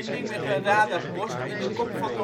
met een radarpost in de kop van Noord-Holland